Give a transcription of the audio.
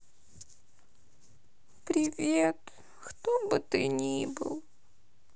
привет кто бы ты ни был